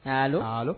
'